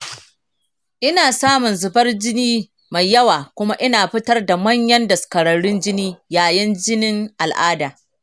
ina samun zuvar jini mai yawa kuma ina fitar da manyan daskararrun jini yayin jinin al’adata.